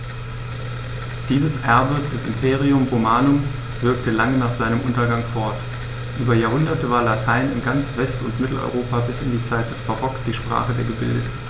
Dieses Erbe des Imperium Romanum wirkte lange nach seinem Untergang fort: Über Jahrhunderte war Latein in ganz West- und Mitteleuropa bis in die Zeit des Barock die Sprache der Gebildeten.